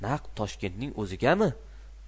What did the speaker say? naq toshkentning o'zigami